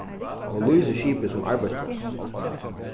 og lýsir skipið sum arbeiðspláss